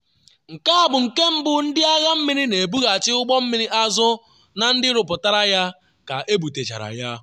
Nke a bụ nke mbụ Ndị Agha Mmiri na-ebughachi ụgbọ mmiri azụ na ndị rụpụtara ya ka ebutechara ya.